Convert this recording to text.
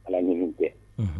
Ala ɲini gɛn